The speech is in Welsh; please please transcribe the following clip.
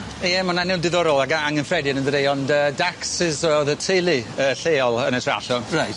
Ie ma'n enw diddorol ag angyffredin yndydi ond yy Daxis o'dd y teulu yy lleol yn y Trallwm. Reit.